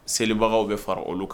Selibagaw bɛ fara olu kan